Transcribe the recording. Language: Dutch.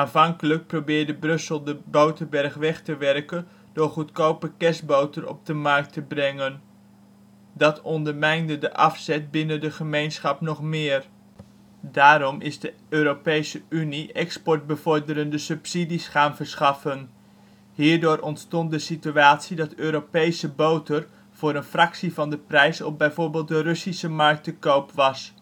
Aanvankelijk probeerde Brussel de boterberg weg te werken door goedkope kerstboter op de markt te brengen. Dat ondermijnde de afzet binnen de gemeenschap nog meer. Daarom is de Europese Unie exportbevorderende subsidies gaan verschaffen. Hierdoor ontstond de situatie dat Europese boter voor een fractie van de prijs op bijvoorbeeld de Russische markt te koop was